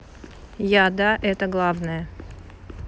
я да это главная